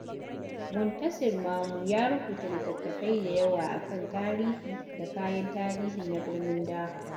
Muntasir Mamu ya rubuta littattafai da yawa a kan tarihi da kayan tarihi na birnin Dhaka.